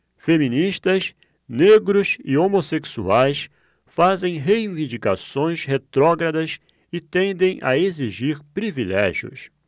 feministas negros e homossexuais fazem reivindicações retrógradas e tendem a exigir privilégios